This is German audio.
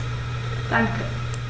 Danke.